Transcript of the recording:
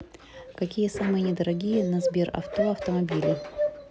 какие самые недорогие на сберавто автомобили